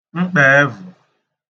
mkpẹẹ̄və̀